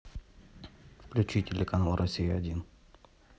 включить телеканал россия один